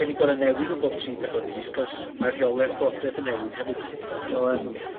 'dyn ni gor'o' newid n'w bob tri pedwar mis 'c'os ma' rheole'r llywodreth yn newid hefyd 'lly t'mod so yym